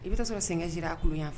I bɛ taa sɔrɔ sɛgɛnji a kulu yan fɛ